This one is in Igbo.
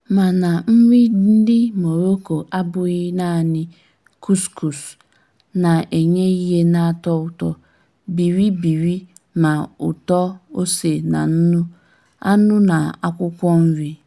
Mana nri ndị Morocco abụghị naanị kuskus, na-enye ihe na-atọ ụtọ biribiri ma ụtọ ose na nnu, anụ na akwụkwọ nrị.